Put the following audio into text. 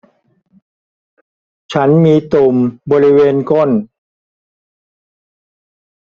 ฉันมีตุ่มบริเวณก้น